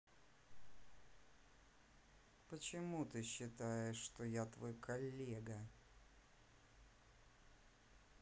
почему ты считаешь что я твой коллега